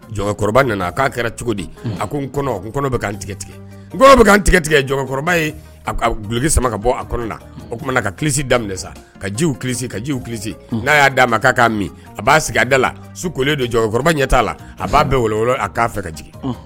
Nana'a kɛra cogo di a ko n kɔnɔ bɛ an tigɛ tigɛ bɛ tigɛ tigɛ kulu sama ka bɔ a kɔnɔ la oumana ka ki da sa ka ji u ki ka ji u ki n'a y'a'a ma k'a min a b'a sigi a da la su kolen don ɲɛ t'a la a b'a bɛɛ woloolo a k'a fɛ ka jigin